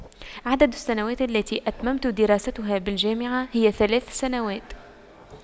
عدد السنوات التي أتممت دراستها بالجامعة هي ثلاث سنوات